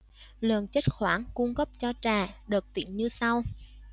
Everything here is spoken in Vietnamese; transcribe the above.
lượng chất khoáng cung cấp cho trẻ được tính như sau